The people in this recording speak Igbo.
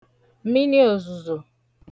miniòzùzò